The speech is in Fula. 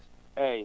eeyi